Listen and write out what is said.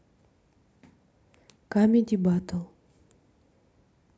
камеди батл